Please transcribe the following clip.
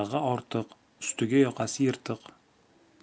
ortiq ustiga yoqasi yirtiq